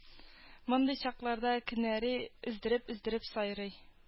Мондый чакларда кенәри өздереп-өздереп сайрый